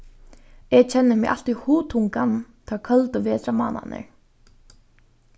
eg kenni meg altíð hugtungan teir køldu vetrarmánaðirnar